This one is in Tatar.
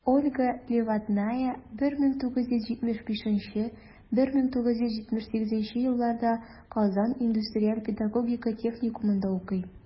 Ольга Левадная 1975-1978 елларда Казан индустриаль-педагогика техникумында укый.